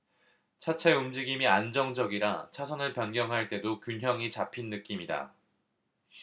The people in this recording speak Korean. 차체 움직임이 안정적이라 차선을 변경할 때도 균형이 잡힌 느낌이다